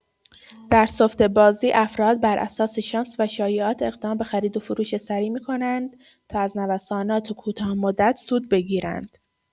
در سفته‌بازی، افراد بر اساس شانس و شایعات اقدام به خرید و فروش سریع می‌کنند تا از نوسانات کوتاه‌مدت سود بگیرند.